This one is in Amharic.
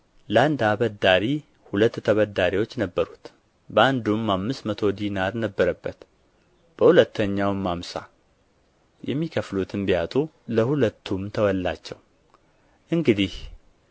ለአንድ አበዳሪ ሁለት ተበዳሪዎች ነበሩት በአንዱ አምስት መቶ ዲናር ነበረበት በሁለተኛውም አምሳ የሚከፍሉትም ቢያጡ ለሁለቱም ተወላቸው እንግዲህ